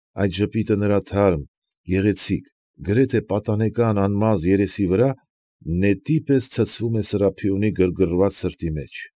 Այդ ժպիտը նրա թարմ, գեղեցիկ, գրեթե պատանեկան անմազ երեսի վրա նետի պես ցցվում է Սրափիոնի գրգռված սրտի մեջ։